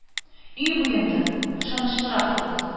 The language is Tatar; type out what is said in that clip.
Өй буенда – ышанычлырак та...